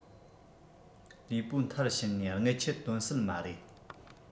ལུས པོ མཐར ཕྱིན ནས རྔུལ ཆུ དོན སྲིད མ རེད